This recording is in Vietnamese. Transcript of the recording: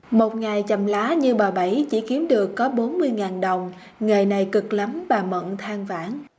một ngày chậm lá như bà bảy chỉ kiếm được có bốn mươi ngàn đồng nghề này cực lắm bà mận than vãn